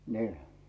niin